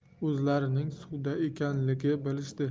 o'zlarining suvda ekanligi bilishdi